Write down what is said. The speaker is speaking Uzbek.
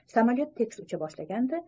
samolyot tekis ucha boshladi